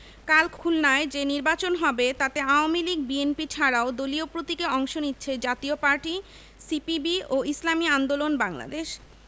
কাল খুলনায় যে নির্বাচন হবে তাতে আওয়ামী লীগ বিএনপি ছাড়াও দলীয় প্রতীকে অংশ নিচ্ছে জাতীয় পার্টি সিপিবি ও ইসলামী আন্দোলন বাংলাদেশ